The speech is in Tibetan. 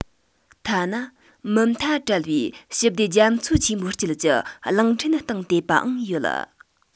ཐ ན མུ མཐའ བྲལ བའི ཞི བདེ རྒྱ མཚོ ཆེན མོའི དཀྱིལ གྱི གླིང ཕྲན སྟེང དེད པའང ཡོད